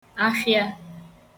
afhịa